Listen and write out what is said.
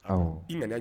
Awɔ . I nana